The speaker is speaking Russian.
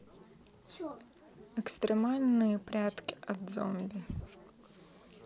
экстремальные прятки от зомби